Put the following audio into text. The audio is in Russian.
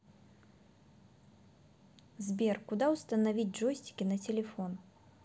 сбер куда установить джойстики на телефон